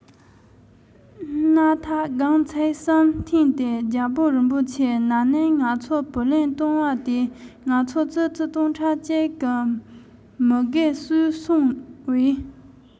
སྣ ཐག སྒམ ཚིག གསུམ འཐེན ཏེ རྒྱལ པོ རིན པོ ཆེན ནིང ང ཚོར བུ ལོན བཏང བ དེས ང ཚོ ཙི ཙི སྟོང ཕྲག གཅིག གི མུ གེ གསོས སོང བས